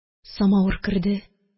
Самавыр керде